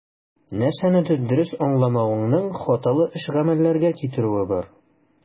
Нәрсәнедер дөрес аңламавыңның хаталы эш-гамәлләргә китерүе бар.